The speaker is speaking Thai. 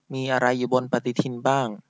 มีอะไรอยู่บนปฎิทินบ้าง